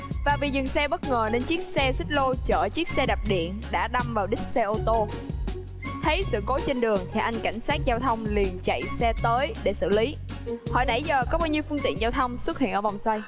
và vì dừng xe bất ngờ nên chiếc xe xích lô chở chiếc xe đạp điện đã đâm vào đít xe ô tô thấy sự cố trên đường thì anh cảnh sát giao thông liền chạy xe tới để xử lý hỏi nãy giờ có bao nhiêu phương tiện giao thông xuất hiện ở vòng xoay